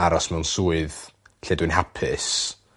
aros mewn swydd lle dwi'n hapus